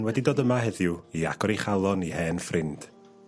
...wedi dod yma heddiw i agor ei chalon i hen ffrind.